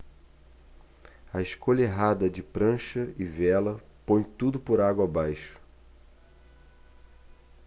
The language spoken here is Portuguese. a escolha errada de prancha e vela põe tudo por água abaixo